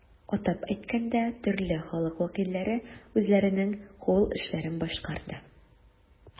Атап әйткәндә, төрле халык вәкилләре үзләренең кул эшләрен башкарды.